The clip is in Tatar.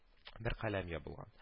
Бер каләм ябылган